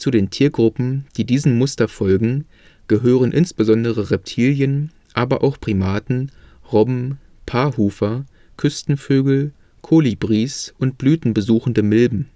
den Tiergruppen, die diesem Muster folgen, gehören insbesondere Reptilien, aber auch Primaten, Robben, Paarhufer, Küstenvögel, Kolibris und blütenbesuchende Milben